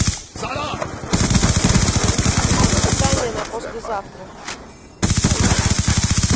расписание на послезавтра